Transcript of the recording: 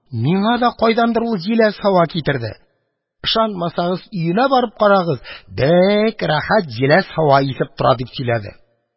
Миңа да кайдандыр җиләс һава китерде, ышанмасагыз, өемә барып карагыз: бәк рәхәт җиләс һава исеп тора, – дип сөйләде.